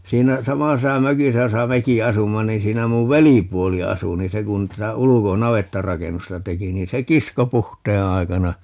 siinä samaisessa mökissä jossa mekin asumme niin siinä minun velipuoli asui niin se kun tätä - navettarakennusta teki niin se kiskoi puhteen aikana